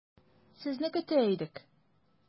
Сезне көтә идек.